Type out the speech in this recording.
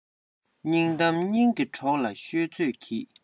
སྙིང གཏམ སྙིང གི གྲོགས ལ ཤོད ཚོད གྱིས